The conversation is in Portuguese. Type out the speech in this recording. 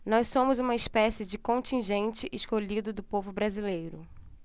nós somos uma espécie de contingente escolhido do povo brasileiro